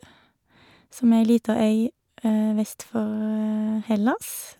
Som er ei lita øy vest for Hellas.